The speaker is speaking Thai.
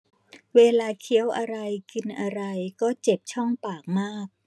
เวลาเคี้ยวอะไรกินอะไรก็เจ็บช่องปากมาก